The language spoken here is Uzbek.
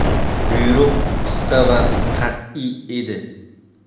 buyruq qisqa va qat'iy edi